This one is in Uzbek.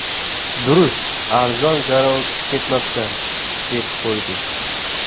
durust arzon garov ketmabman deb qo'ydi